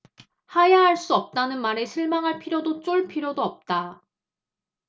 하야할 수 없다는 말에 실망할 필요도 쫄 필요도 없다